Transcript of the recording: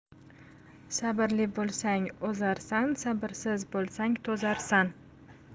sabrli bo'lsang o'zarsan sabrsiz bo'lsang to'zarsan